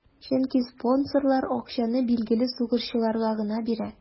Чөнки спонсорлар акчаны билгеле сугышчыларга гына бирә.